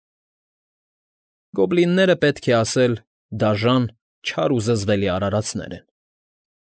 Գոբլինները, պետք է ասել, դաժան, չար ու զզվելի արարածներ են։